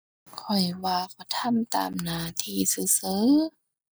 ข้อยว่า เขาทำตามหน้าที่ซื่อซื่อ